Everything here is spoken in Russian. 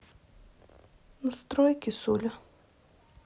настрой кисуля